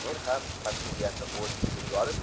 men ham mas'uliyatni o'z ustimga olib